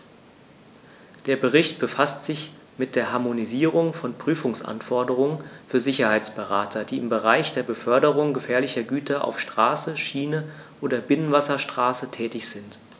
Der Bericht befasst sich mit der Harmonisierung von Prüfungsanforderungen für Sicherheitsberater, die im Bereich der Beförderung gefährlicher Güter auf Straße, Schiene oder Binnenwasserstraße tätig sind.